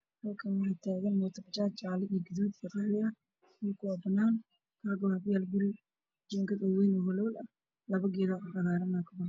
Halkaan waxaa taagan bajaaj jaale, gaduud iyo qaxwi ah, dhulka waa banaan waxaa kuyaalo guri jiingad ah oo wayn iyo labo geed cagaaran.